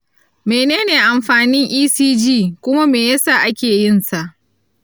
menene amfanin ecg kuma me ya sa ake yin sa?